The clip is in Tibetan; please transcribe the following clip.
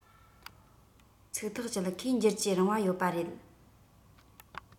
ཚིག ཐག བཅད ཁོས འགྱུར གྱིས རིང བ ཡོད པ རེད